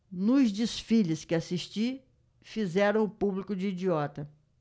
nos desfiles que assisti fizeram o público de idiota